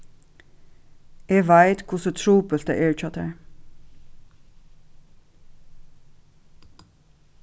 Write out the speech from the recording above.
eg veit hvussu trupult tað er hjá tær